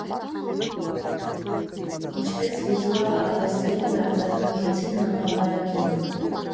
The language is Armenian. Ինչպես վիզուալ արվեստներն արձագանքեցին համավարակին։